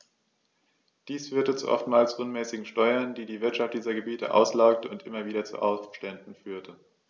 Dies führte zu oftmals unmäßigen Steuern, die die Wirtschaft dieser Gebiete auslaugte und immer wieder zu Aufständen führte.